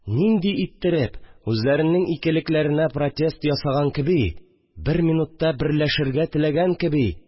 Нинди иттереп, үзләренең икелекләренә протест ясаган кеби, бер минутта берләшергә теләгән кеби